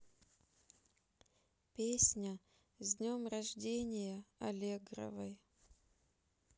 песня с днем рождения аллегровой